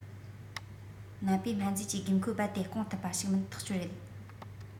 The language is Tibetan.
ནད པའི སྨན རྫས ཀྱི དགོས མཁོ རྦད དེ སྐོང ཐུབ པ ཞིག མིན ཐག ཆོད རེད